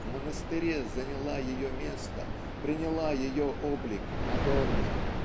в монастыре заняла ее место приняла ее облик Мадонна